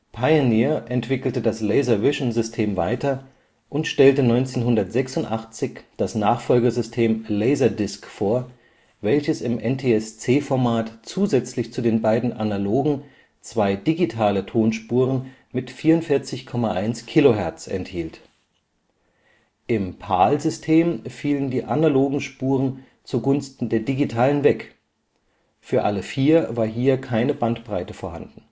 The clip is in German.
Pioneer entwickelte das LaserVision-System weiter und stellte 1986 das Nachfolgesystem LaserDisc vor, welches im NTSC-Format zusätzlich zu den beiden analogen zwei digitale Tonspuren mit 44,1 kHz enthielt. Im PAL-System fielen die analogen Spuren zugunsten der digitalen weg; für alle vier war hier keine Bandbreite vorhanden